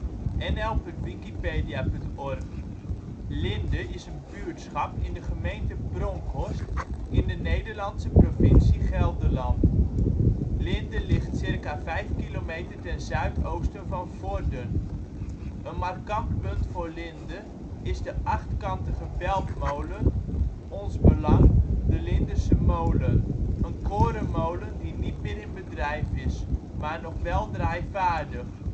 52° 1 ' NB 4° 42 ' OL Beluister (info) Linde is een buurtschap in de gemeente Bronckhorst in de Nederlandse provincie Gelderland. Linde ligt ca 5 km ten zuidoosten van Vorden. Een markant punt voor Linde is de achtkantige beltmolen " Ons Belang/de Lindesche molen "- een korenmolen, die niet meer in bedrijf is, maar nog wel draaivaardig